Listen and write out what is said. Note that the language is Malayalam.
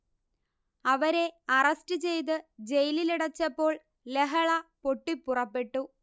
അവരെ അറസ്റ്റ് ചെയ്ത് ജയിലിലടച്ചപ്പോൾ ലഹള പൊട്ടിപ്പുറപ്പെട്ടു